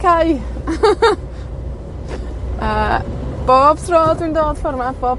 cau. A bob tro dwi'n dod ffor 'ma, bob